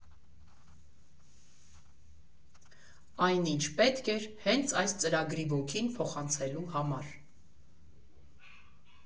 Այն, ինչ պետք էր հենց այս ծրագրի ոգին փոխանցելու համար։